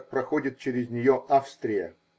как проходит через нее Австрия.